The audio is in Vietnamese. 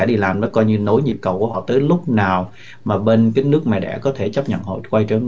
đi làm nó coi như nối nhịp cầu của họ tới lúc nào mà bên phía nước mẹ đẻ có thể chấp nhận họ quay trở